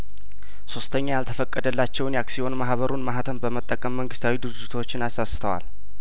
ሶስተኛ ያልተፈቀ ደላቸውን የአክሲዮን ማህበሩን ማህተም በመጠቀም መንግስታዊ ድርጅቶችን አሳስተዋል